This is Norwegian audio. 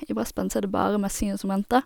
I brassband så er det bare messinginstrumenter.